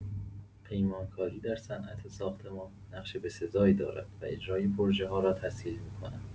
پیمانکاری در صنعت ساختمان نقش به‌سزایی دارد و اجرای پروژه‌ها را تسهیل می‌کند.